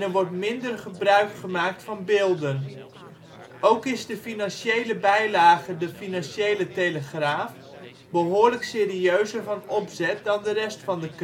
wordt minder gebruik gemaakt van beelden. Ook is de financiële bijlage De Financiële Telegraaf behoorlijk serieuzer van opzet dan de rest van de krant